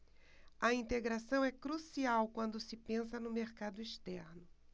a integração é crucial quando se pensa no mercado externo